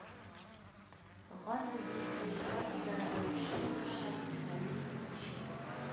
Ган безнең союзда үзара ярыша-ярыша социализм төзүче күп